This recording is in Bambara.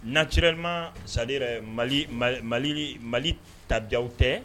Naturellement Mali, Mali , Mali tabiyaw tɛ.